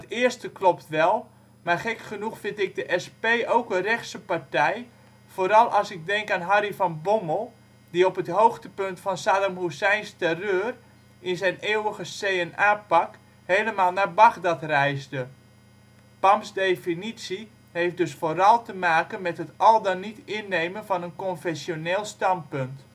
eerste klopt wel, maar gek genoeg vind ik de SP ook een rechtse partij, vooral als in denk aan Harry van Bommel die op het hoogtepunt van Saddam Hoesseins terreur in zijn eeuwige C&A-pak helemaal naar Bagdad reisde. " Pam 's definitie heeft dus vooral te maken met het al dan niet innemen van een confessioneel standpunt